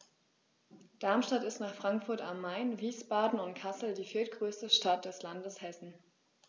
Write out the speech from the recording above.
Darmstadt ist nach Frankfurt am Main, Wiesbaden und Kassel die viertgrößte Stadt des Landes Hessen